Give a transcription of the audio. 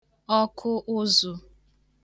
ọkụ̄ụzụ